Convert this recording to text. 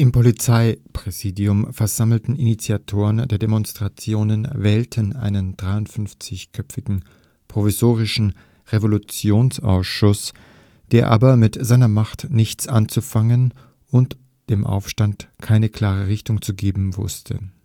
Polizeipräsidium versammelten Initiatoren der Demonstrationen wählten einen 53-köpfigen „ Provisorischen Revolutionsausschuss “, der aber mit seiner Macht nichts anzufangen und dem Aufstand keine klare Richtung zu geben wusste